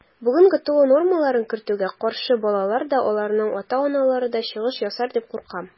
Бүген ГТО нормаларын кертүгә каршы балалар да, аларның ата-аналары да чыгыш ясар дип куркам.